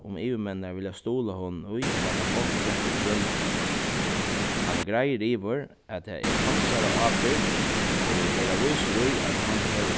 um yvirmenninar vilja stuðla honum í at lata fólk sleppa um brúnna hann er greiður yvir at tað er hansara ábyrgd og vil vera vísur í at hann hevur